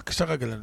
A kisa ka gɛlɛn